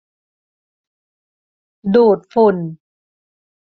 ดูดฝุ่น